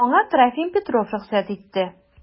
Аңа Трофим Петров рөхсәт итте.